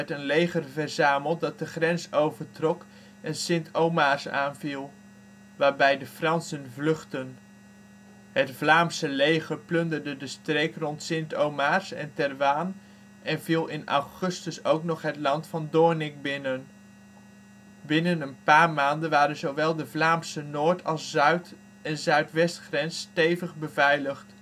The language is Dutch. een leger verzameld dat de grens overtrok en Sint-Omaars aanviel, waarbij de Fransen vluchtten. Het Vlaamse leger plunderde de streek rond Sint-Omaars en Terwaan en viel in augustus ook nog het land van Doornik binnen. Binnen een paar maanden waren zowel de Vlaamse noord - als zuid - en zuidwestgrens stevig beveiligd